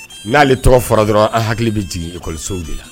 N'ale tɔgɔ fɔra dɔrɔn an hakili bɛ jigin ikɔlisow de la